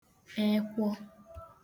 ẹẹkwọ